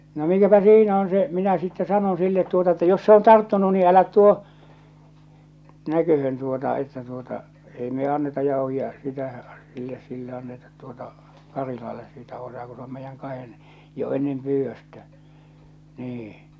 no mikäpä siinä on se minä sitten sanon sille tuota että jos se on tarttunut niin älä tuo näköön tuota että tuota ei me anneta - sitä sille sille annetaan tuota Karilalle siitä osaa kun se on meidän kahden jo ennen pyydöstä niin